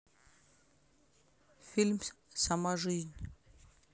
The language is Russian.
фильм сама жизнь